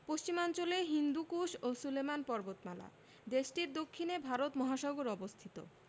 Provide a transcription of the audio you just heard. পশ্চিমাঞ্চলে হিন্দুকুশ ও সুলেমান পর্বতমালাদেশটির দক্ষিণে ভারত মহাসাগর অবস্থিত